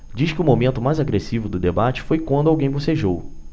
diz que o momento mais agressivo do debate foi quando alguém bocejou